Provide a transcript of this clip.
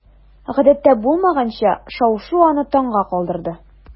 Гадәттә булмаганча шау-шу аны таңга калдырды.